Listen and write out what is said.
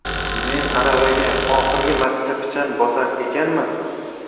men aravaga oxirgi marta pichan bosar ekanman